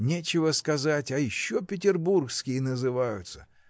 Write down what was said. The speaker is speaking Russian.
нечего сказать, а еще петербургские называются!